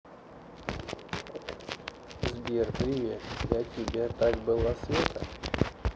сбер привет я тебя так была света